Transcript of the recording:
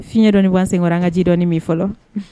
Fiɲɛ dɔn ni wa senkɔrɔ an ka ji dɔ min fɔlɔ